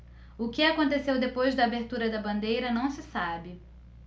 o que aconteceu depois da abertura da bandeira não se sabe